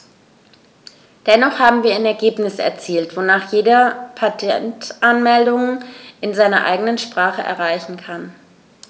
Dennoch haben wir ein Ergebnis erzielt, wonach jeder Patentanmeldungen in seiner eigenen Sprache einreichen kann.